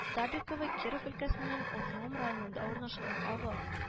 Табеково Киров өлкәсенең Уржум районында урнашкан авыл